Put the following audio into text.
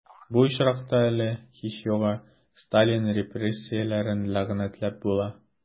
Бу очракта әле, һич югы, Сталин репрессияләрен ләгънәтләп була...